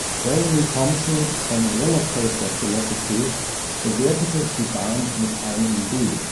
Jeremy Thompson von Roller Coaster Philosophy bewertete die Bahn mit einem B